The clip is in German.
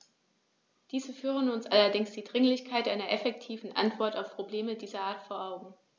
Diese führen uns allerdings die Dringlichkeit einer effektiven Antwort auf Probleme dieser Art vor Augen.